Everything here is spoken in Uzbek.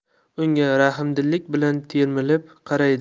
unga rahmdillik bilan termilib qaraydi